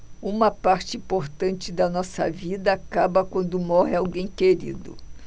uma parte importante da nossa vida acaba quando morre alguém querido